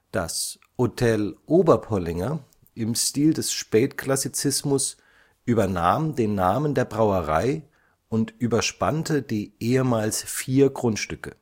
Das „ Hôtel Oberpollinger “im Stil des Spätklassizismus übernahm den Namen der Brauerei und überspannte die ehemals vier Grundstücke